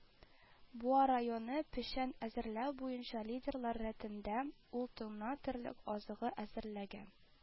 Буа районы печән әзерләү буенча лидерлар рәтендә, ул тонна терлек азыгы әзерләгән